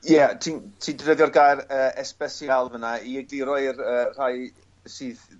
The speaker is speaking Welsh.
Ie ti'n ti defnyddio'r gair yy especial fyn 'na i egluro i'r yy rhai sydd